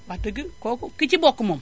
wax dëgg kooka ki ci bokk moom